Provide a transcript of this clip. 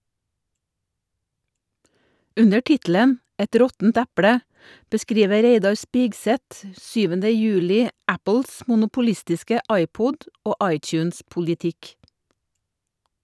Under tittelen "Et råttent eple" beskriver Reidar Spigseth 7. juli Apples monopolistiske iPod- og iTunes-politikk.